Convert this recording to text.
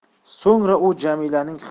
so'ngra u jamilaning qiqir